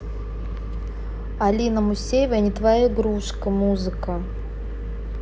алина мусиева я не твоя игрушка музыка